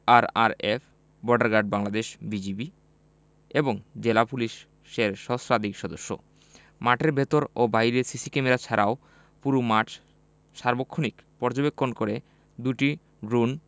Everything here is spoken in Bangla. RRF border guard Bangladesh BGB এবং জেলা পুলিশের সহস্রাধিক সদস্য মাঠের ভেতর ও বাইরে সিসি ক্যামেরা ছাড়াও পুরো মাঠ সার্বক্ষণিক পর্যবেক্ষণ করে দুটি ড্রোন